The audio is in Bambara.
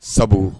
Sabu